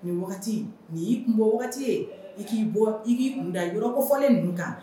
Nin nin yi kun bɔ ye i k'i bɔ i k'i kun da i yɔrɔfɔlen ninnu kan